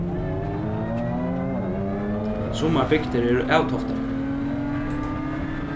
summar bygdir eru avtoftaðar